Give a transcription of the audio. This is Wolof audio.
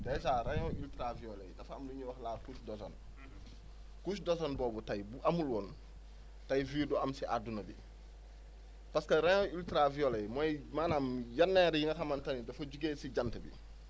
dèjà rayons ultra violet yi dafa am lu ñuy wax la couche d' ozone couche d' ozone boobu tey bu amul woon tey vie du am ci adduna bi parce que rayon ultra violet yi mooy maanaam jenneer yi nga xamante ne dafa jugee si jant bi